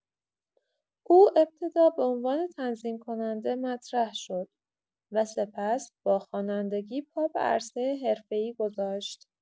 او ابتدا به عنوان تنظیم‌کننده مطرح شد و سپس با خوانندگی پا به عرصه حرفه‌ای گذاشت.